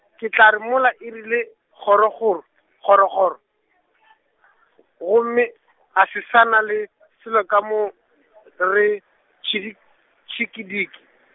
ke tla re mola e rile, kgoro kgoro , kgoro kgoro, gomme a se sa na le , selo ka mo, re tšidi- tšhikidi.